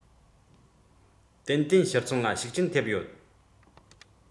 ཏན ཏན ཕྱིར ཚོང ལ ཤུགས རྐྱེན ཐེབས ཡོད